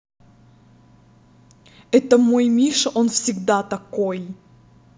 это мой миша он всегда такой